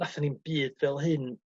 nathan ni'm byd fel hyn